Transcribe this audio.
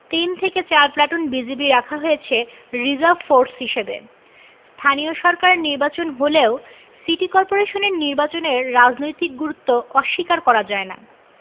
তিন থেকে চার প্লাটুন বিজিবি রাখা হয়েছে রিজার্ভ ফোর্স হিসেবে স্থানীয় সরকারের নির্বাচন হলেও সিটি করপোরেশন নির্বাচনের রাজনৈতিক গুরুত্ব অস্বীকার করা যায় না